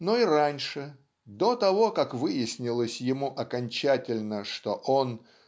Но и раньше, до того как выяснилось ему окончательно, что он